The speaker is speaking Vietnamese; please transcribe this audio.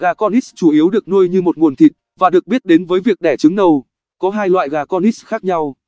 gà cornish chủ yếu được nuôi như một nguồn thịt và được biết đến với việc đẻ trứng nâu có hai loại gà cornish khác nhau